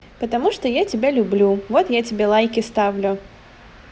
потому что я тебя люблю вот я тебе лайки ставлю